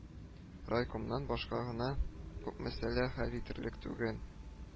Райкомнан башка гына күп мәсьәлә хәл ителерлек түгел